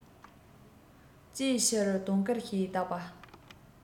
ཅིའི ཕྱིར དུང དཀར ཞེས བཏགས པ